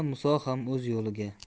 muso ham o'z yo'liga